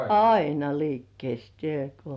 aina liikkeessä tämä kun